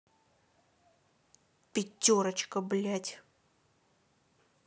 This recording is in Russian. пятерочка блять